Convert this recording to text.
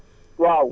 waaw